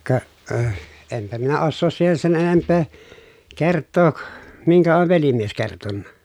ka - enpä minä osaa siihen sen enempää kertoa minkä on velimies kertonut